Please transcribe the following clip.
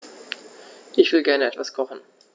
Ich will gerne etwas kochen.